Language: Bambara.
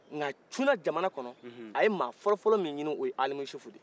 nka cunan jamana kɔnɔ a ye mɔgɔ fɔlɔ fɔlɔ min ɲinin o ye alimusufu de ye